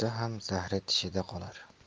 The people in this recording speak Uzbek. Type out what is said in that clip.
zahri tishida qolar